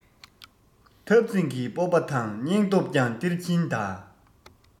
འཐབ འཛིང གི སྤོབས པ དང སྙིང སྟོབས ཀྱང སྟེར གྱིན གདའ